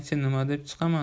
nima deb chiqaman